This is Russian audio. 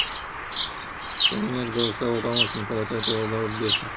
поменять голосового помощника от этого балбеса